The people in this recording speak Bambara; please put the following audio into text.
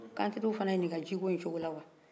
ko an tɛ taa u fana ɲinika jiko in cogola wa